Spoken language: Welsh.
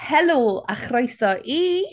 Helo a chroeso i...